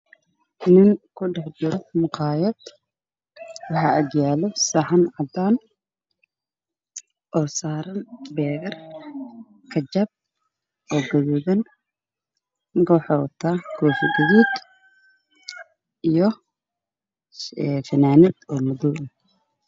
Nin ku dhex jiro maqaayad waxaa agyaalo saxan wuxuu wataa koofi guduud